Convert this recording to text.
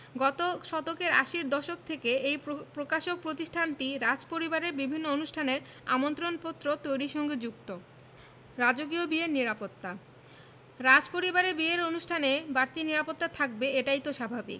গত শতকের আশির দশক থেকে এই প্রকাশক প্রতিষ্ঠানটি রাজপরিবারের বিভিন্ন অনুষ্ঠানের আমন্ত্রণপত্র তৈরির সঙ্গে যুক্ত রাজকীয় বিয়ের নিরাপত্তা রাজপরিবারের বিয়ের অনুষ্ঠানে বাড়তি নিরাপত্তা থাকবে এটাই তো স্বাভাবিক